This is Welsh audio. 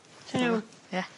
Ti'n iawn? Ie.